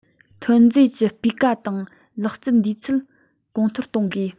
ཐོན རྫས ཀྱི སྤུས ཀ དང ལག རྩལ འདུས ཚད གོང མཐོར གཏོང དགོས